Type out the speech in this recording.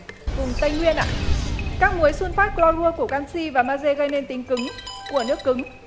vùng tây nguyên ạ các muối sun phát cờ lo rua của can xi và ma giê gây nên tính cứng của nước cứng